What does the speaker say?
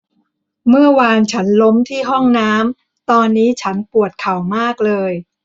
เมื่อวานฉันล้มที่ห้องน้ำตอนนี้ฉันปวดเข่ามากเลย